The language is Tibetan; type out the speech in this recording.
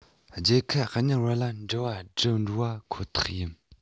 རྒྱལ ཁབ གཉིས བར ལ འབྲེལ བ བསྒྲིབས འགྲོ བ ཁོ ཐག ཡིན